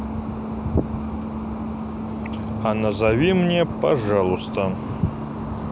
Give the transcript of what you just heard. а назови мне пожалуйста